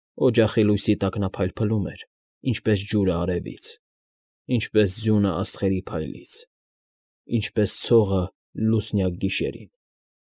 Օջախի լույսի տակ նա փայլում էր, ինչպես ջուրը արևից, ինչպես ձյունը աստղերի փայլից, ինչպես ցողը լուսնյակ գիշերին։